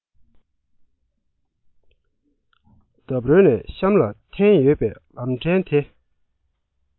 འདབས རོལ ནས གཤམ ལ འཐེན ཡོད པའི ལམ ཕྲན དེ